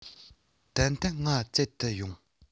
ཏན ཏན ང བཙལ དུ ཡོང